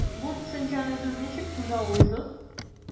Бу төшенчәне сез ничек күзаллыйсыз?